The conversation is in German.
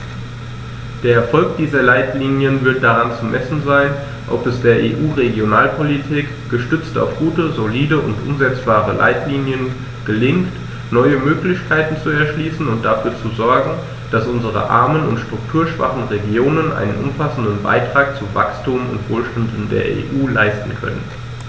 Der Erfolg dieser Leitlinien wird daran zu messen sein, ob es der EU-Regionalpolitik, gestützt auf gute, solide und umsetzbare Leitlinien, gelingt, neue Möglichkeiten zu erschließen und dafür zu sorgen, dass unsere armen und strukturschwachen Regionen einen umfassenden Beitrag zu Wachstum und Wohlstand in der EU leisten können.